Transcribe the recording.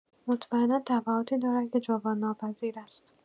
مطمئنا تبعاتی دارد که جبران‌ناپذیر است.